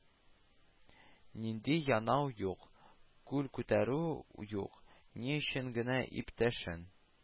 Нинди янау юк, кул күтәрү юк, ни өчен генә ике иптәшен